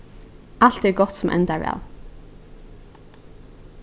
alt er gott sum endar væl